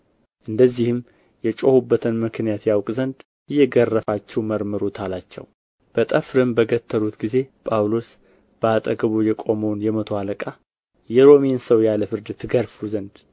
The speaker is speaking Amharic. እንደዚህም የጮኹበትን ምክንያት ያውቅ ዘንድ እየገረፋችሁ መርምሩት አላቸው በጠፍርም በገተሩት ጊዜ ጳውሎስ በአጠገቡ የቆመውን የመቶ አለቃ የሮሜን ሰው ያለ ፍርድ ትገርፉ ዘንድ